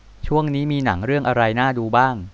ช่วงนี้มีหนังเรื่องอะไรน่าดูบ้าง